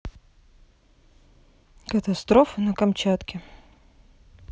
катастрофа на камчатке